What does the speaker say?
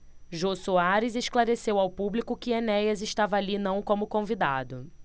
jô soares esclareceu ao público que enéas estava ali não como convidado